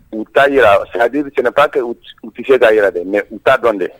U'a jira sangadi sɛnɛ kɛ u tɛ se ka jira dɛ mɛ u t'a dɔn dɛ